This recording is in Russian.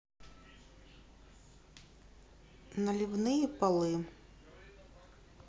наливные полы